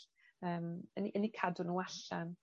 yym yn 'u yn 'u cadw nw allan.